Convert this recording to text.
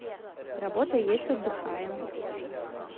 работа есть отдыхаем